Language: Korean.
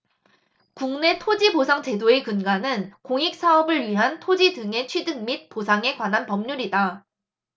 국내 토지보상제도의 근간은 공익사업을 위한 토지 등의 취득 및 보상에 관한 법률이다